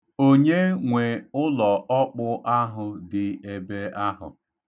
Onye nwe ụlọ ọkpụ ahụ dị ebe ahụ?